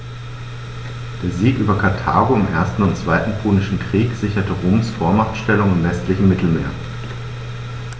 Der Sieg über Karthago im 1. und 2. Punischen Krieg sicherte Roms Vormachtstellung im westlichen Mittelmeer.